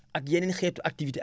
ak yeneen xeetu activités